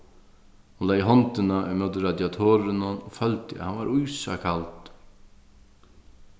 hon legði hondina í móti radiatorinum og føldi at hann var ísakaldur